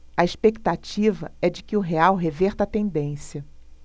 a expectativa é de que o real reverta a tendência